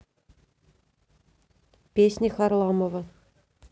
песни харламова